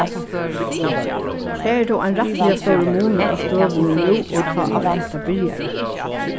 tað er tó ein rættiliga stórur munur á støðuni nú og tá alt hetta byrjaði